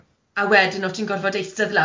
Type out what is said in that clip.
A wedyn oti'n gorfod eistedd lawr